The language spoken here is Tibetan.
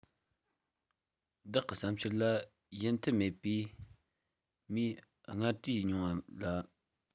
བདག གི བསམ འཆར ལ ཡིད འཐད མེད པའི མིས སྔར དྲིས མྱོང བ ལ